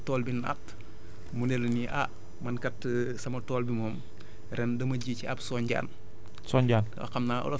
ñëw fekk macha allah tool bi naat mu ne lu ñii ah man kat sama tool bi moom ren dama jici ab sonjaan